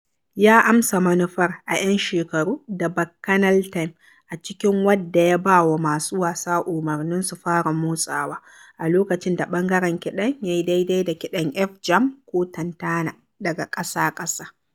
Ya amsa manufar a 'yan shekaru da "Bacchanal Time", a cikin wadda ya ba wa masu wasa umarnin su "fara motsawa" a lokacin da ɓangaren kiɗan ya yi daidai da kiɗan "F-jam" ko "tantana" daga ƙasa-ƙasa.